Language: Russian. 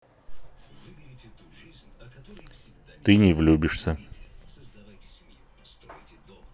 ты не влюбишься